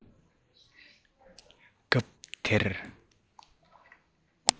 སྐབས དེར